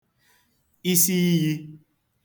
isi iyī